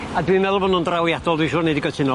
A dwi'n meddwl bo' nw'n drawiadol dwi'n siŵr 'nei di gytuno.